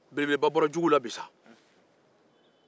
belebeleba bɔra juguw la bi sa